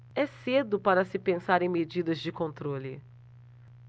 é cedo para se pensar em medidas de controle